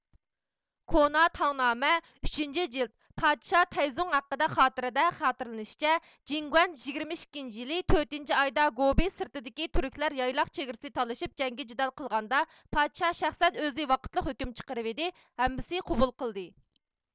كونا تاڭنامە ئۈچىنچى جىلد پادىشاھ تەيزۇڭ ھەققىدە خاتىرە دە خاتىرىلىنىشچە جېنگۇەن يىگىرمە ئىككىنچى يىلى تۆتىنچى ئايدا گوبى سىرتىدىكى تۈركلەر يايلاق چېگرىسى تالىشىپ جەڭگى جىدەل قىلغاندا پادىشاھ شەخسەن ئۆزى ۋاقىتلىق ھۆكۈم چىقىرىۋىدى ھەممىسى قوبۇل قىلدى